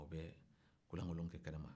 o bɛ u lankolon bɛ kɛnɛma